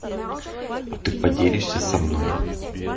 а ты поделишься со мной